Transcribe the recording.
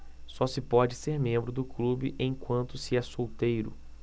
só se pode ser membro do clube enquanto se é solteiro